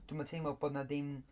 Dwi'm yn teimlo bod 'na ddim...